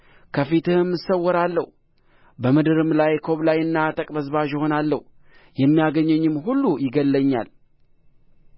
ከፊትህም እሰወራለሁ በምድርም ላይ ኰብላይና ተቅበዝባዥ እሆናለሁ የሚያገኘኝም ሁሉ ይገድለኛል